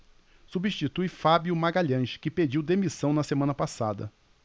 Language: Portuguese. substitui fábio magalhães que pediu demissão na semana passada